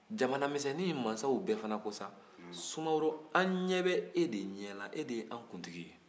jamana misɛnninw mansaw bɛɛ fana ko sa sumaworo an ɲɛ bɛ e de ɲɛ la e de ye an kuntigi ye